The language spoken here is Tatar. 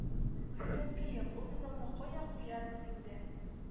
Хәзрәткәем ул бозауны кая куярбыз инде